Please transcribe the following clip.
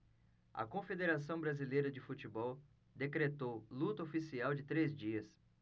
a confederação brasileira de futebol decretou luto oficial de três dias